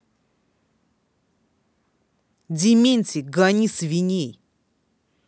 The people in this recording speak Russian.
дементий гони свиней